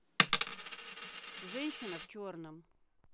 женщина в черном